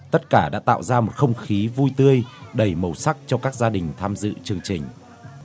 tất cả đã tạo ra một không khí vui tươi đầy màu sắc trong các gia đình tham dự chương trình